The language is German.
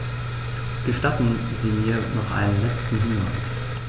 Gestatten Sie mir noch einen letzten Hinweis.